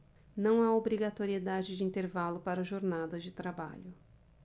não há obrigatoriedade de intervalo para jornadas de trabalho